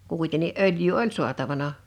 kuitenkin öljyä oli saatavana